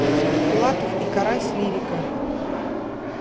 филатов и карась лирика